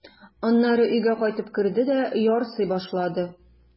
Аннары өйгә кайтып керде дә ярсый башлады.